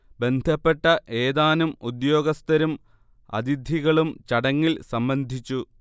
ബന്ധപ്പെട്ട ഏതാനും ഉദേൃാഗസ്ഥരും അതിഥികളും ചടങ്ങിൽ സംബന്ധിച്ചു